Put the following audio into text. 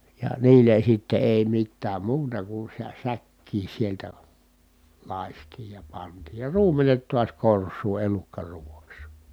ja niille sitten ei mitään muuta kuin - säkkiin sieltä lakaistiin ja pantiin ja ruumenet taas korsuun elukkaruuaksi